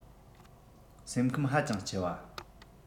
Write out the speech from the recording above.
སེམས ཁམས ཧ ཅང ལྕི བ